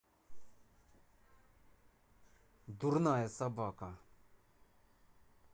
дурная собака